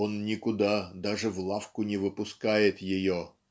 Он никуда, даже в лавку, не выпускает ее